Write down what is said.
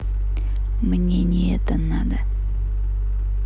мне не это надо